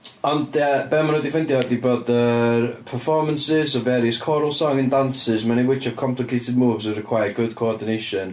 Ond ia, be maen nhw 'di ffeindio ydy bod yr performances of various choral song and dances, many which have complicated moves and require good co-ordination